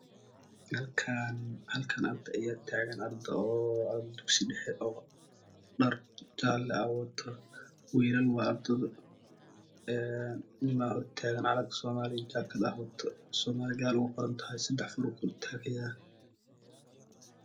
Halkaan halkan arda ayaa tagan ardo oo dugsi dhaxo oo dhar jaale ah wato wiilal waa ardada een nimaa hor taagan calanka somaaliya Jaagad ah wato soomali girl ugu qoran tahay sadax forood kor utagayaa